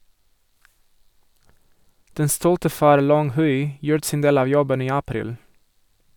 Den stolte far Long Hui gjorde sin del av jobben i april.